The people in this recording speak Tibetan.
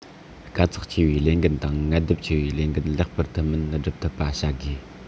དཀའ ཚེགས ཆེ བའི ལས འགན དང ངལ དུབ ཆེ བའི ལས འགན ལེགས པར ཐུན མིན བསྒྲུབ ཐུབ པ བྱ དགོས